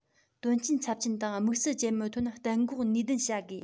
དོན རྐྱེན ཚབས ཆེན དང དམིགས བསལ ཅན མི ཐོན གཏན འགོག ནུས ལྡན བྱ དགོས